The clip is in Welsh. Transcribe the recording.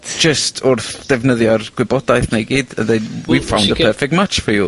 jyst wrth defnyddio'r gwybodaeth 'na i gyd a ddeud we ffound a perffect match for you.